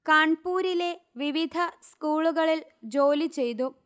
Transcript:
കാൺപൂരിലെ വിവിധ സ്കൂളുകളിൽ ജോലി ചെയ്തു